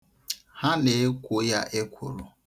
Ha na-ekwo ya ekworo.